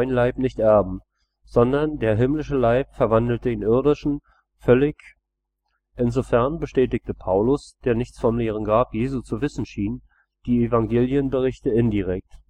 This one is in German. Leib nicht „ erben “, sondern der himmlische Leib verwandelt den irdischen völlig. Insofern bestätigte Paulus, der nichts vom leeren Grab Jesu zu wissen schien, die Evangelienberichte indirekt